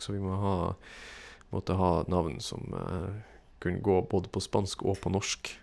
Så vi må ha måtte ha et navn som kunne gå både på spansk og på norsk.